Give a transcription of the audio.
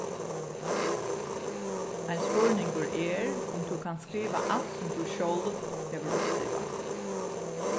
ein spurningur er um tú kanst skriva alt sum tú sjálv hevur upplivað